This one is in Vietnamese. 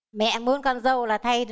mẹ muốn con dâu là thay